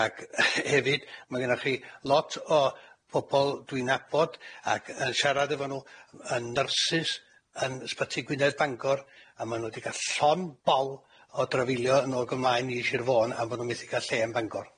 Ac he- hefyd ma' gynnoch chi lot o pobol dwi'n nabod ac yn siarad efo nw yn nyrsys yn ysbyty Gwynedd Bangor a ma' nw di ga'l llon bol o drafeilio yn ôl gymlaen i Shir Fôn a bo nw methu ca'l lle yn Bangor.